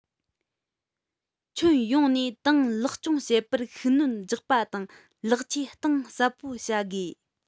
ཁྱོན ཡོངས ནས ཏང ལེགས སྐྱོང བྱེད པར ཤུགས སྣོན རྒྱག པ དང ལེགས བཅོས གཏིང ཟབ པོ བྱ དགོས